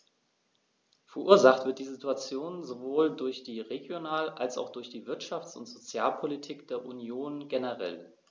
Verursacht wird diese Situation sowohl durch die Regional- als auch durch die Wirtschafts- und Sozialpolitik der Union generell.